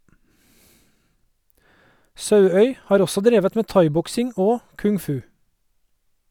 Sauøy har også drevet med thaiboksing og kung-fu.